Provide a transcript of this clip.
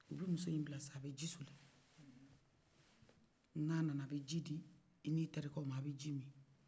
u bɛ muso bila sa a bɛ ji soli n'ana a bɛ ji d'ini teri kɛw ma a bɛ ji mi